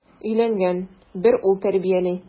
Өйләнгән, бер ул тәрбияли.